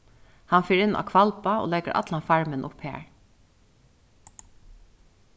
hann fer inn á hvalba og leggur allan farmin upp har